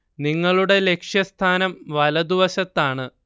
നിങ്ങളുടെ ലക്ഷ്യസ്ഥാനം വലതുവശത്താണ്